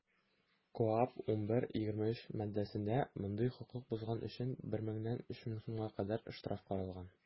КоАП 11.23 маддәсендә мондый хокук бозган өчен 1 меңнән 3 мең сумга кадәр штраф каралган.